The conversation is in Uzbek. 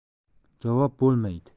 javob bo'lmaydi